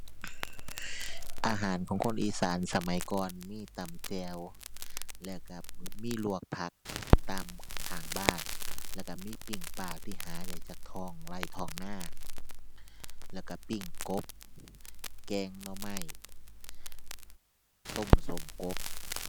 อาหารของคนอีสานสมัยก่อนมีตำแจ่ว แล้วก็มีลวกผักตามข้างบ้าน แล้วก็มีปิ้งปลาที่หาได้จากท้องไร่ท้องนา แล้วก็ปิ้งกบ แกงหน่อไม้ ต้มส้มกบ